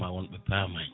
ma woon ɓe pamani